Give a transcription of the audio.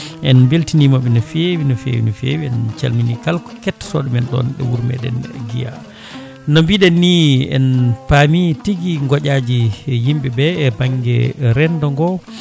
en beltinimaɓe no fewi no fewi no fewi en calmini kalko kettotoɗo min ɗon ɗo wuuro meɗen Guiya no mbiɗen ni en paami tigui gooƴaji yimɓeɓe e banggue rendo ngo